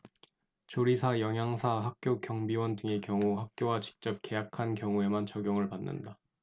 조리사 영양사 학교 경비원 등의 경우 학교와 직접 계약한 경우에만 적용을 받는다